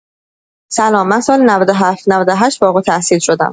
سلام من سال ۹۷ - ۹۸ فارغ‌التحصیل شدم.